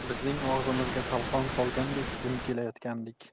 bizning og'zimizga talqon solgandek jim kelayotgandik